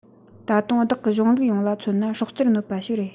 ད དུང བདག གི གཞུང ལུགས ཡོངས ལ མཚོན ན སྲོག རྩར གནོད པ ཞིག རེད